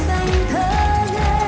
xa